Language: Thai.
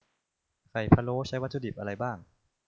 ไข่พะโล้ใช้วัตถุดิบอะไรบ้าง